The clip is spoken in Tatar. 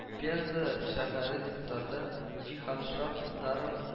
Пенза шәһәре депутаты Җиһанша Туктаров